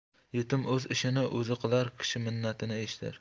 yetim o'z ishini o'zi qilar kishi minnatini eshitar